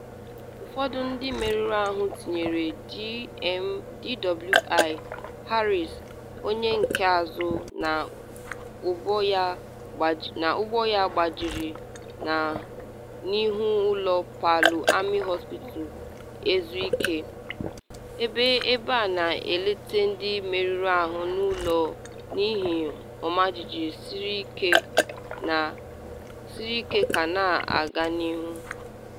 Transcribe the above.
Ụfọdụ ndị merụrụ ahụ tinyere Dwi Haris, onye nke azụ na ubu ya gbajiri, nọ n’ihu ilo Palu Army Hospital ezu ike, ebe a na-elete ndị merụrụ ahụ n’ilo n’ihi ọmajiji siri ike ka na-aga n’ihu.